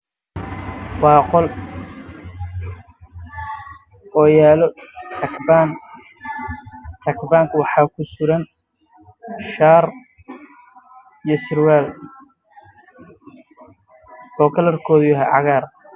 Waa shaar iyo surwaal oo kalarkoodu yahay madow